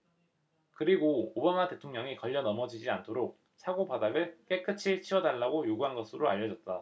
그리고 오바마 대통령이 걸려 넘어지지 않도록 차고 바닥을 깨끗이 치워달라고 요구한 것으로 알려졌다